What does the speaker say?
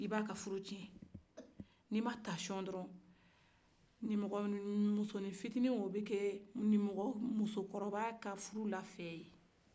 ko i bɛ a ka furu tiɲɛ ni ma kɔlɔsi dɔrɔn nimɔgɔnimusofitini o bɛ kɛ nimɔgɔmusokɔrɔba ka furula fɲɛ ye